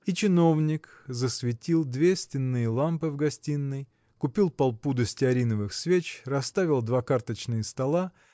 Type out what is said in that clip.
И чиновник засветил две стенные лампы в гостиной купил полпуда стеариновых свеч расставил два карточных стола